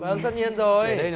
vâng tất nhiên rồi